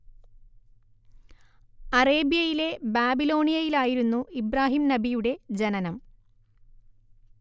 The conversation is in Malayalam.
അറേബ്യയിലെ ബാബിലോണിയയിലായിരുന്നു ഇബ്രാഹിം നബിയുടെ ജനനം